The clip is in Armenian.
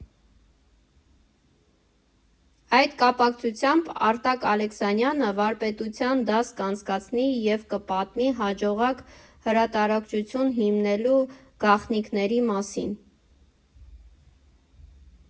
Այդ կապակցությամբ Արտակ Ալեքսանյանը վարպետության դաս կանցկացնի և կպատմի հաջողակ հրատարակչություն հիմնելու գաղտնիքների մասին։